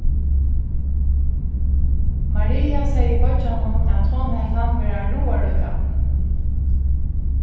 maria segði beiggjanum at hon helt hann vera ráðaríkan